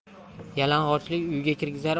yalang'ochlik uyga kirgizar